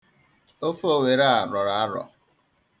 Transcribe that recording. Ofe owere a rọrọ arọ.